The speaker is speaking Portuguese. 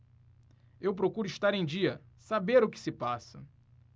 eu procuro estar em dia saber o que se passa